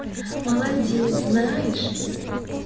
молодец знаешь